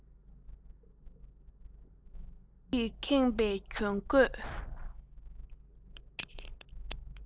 རྡུལ གྱིས ཁེངས པའི གྱོན གོས